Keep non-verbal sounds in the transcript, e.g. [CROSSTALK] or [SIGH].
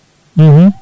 [HESITATION] [HESITATION]